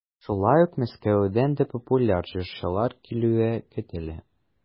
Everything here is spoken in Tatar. Шулай ук Мәскәүдән дә популяр җырчылар килүе көтелә.